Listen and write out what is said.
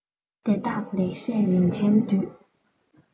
དེ དག ལེགས བཤད རིན ཆེན སྡུད